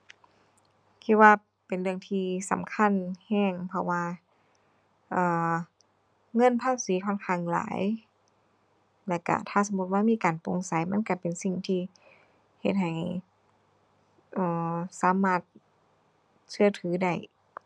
คิดว่าเป็นเรื่องที่สำคัญแรง เพราะว่า อ่า เงินภาษีค่อนข้างหลาย แล้วแรงถ้าสมมุติว่ามีการโปร่งใสมันแรงเป็นสิ่งที่ เฮ็ดให้ เออ สามารถเชื่อถือได้